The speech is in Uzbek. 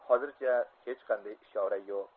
hozircha hech qanday ishora yo'q